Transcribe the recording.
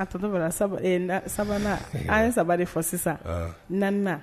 A tɔtɔ sabanan an ye saba de fɔ sisan naan